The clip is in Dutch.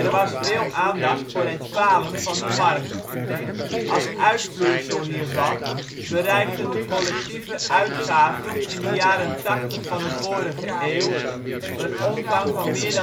was veel aandacht voor het falen van de markt. Als uitvloeisel hiervan bereikten de collectieve uitgaven in de jaren tachtig van de vorige eeuw een omvang van meer